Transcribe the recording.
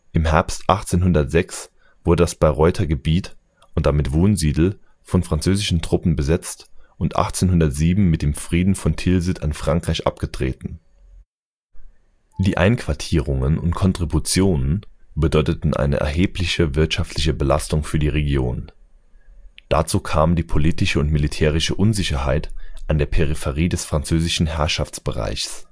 Im Herbst 1806 wurde das Bayreuther Gebiet (und damit Wunsiedel) von französischen Truppen besetzt und 1807 mit dem Frieden von Tilsit an Frankreich abgetreten. Die Einquartierungen und Kontributionen bedeuteten eine erhebliche wirtschaftliche Belastung für die Region. Dazu kam die politische und militärische Unsicherheit an der Peripherie des französischen Herrschaftsbereichs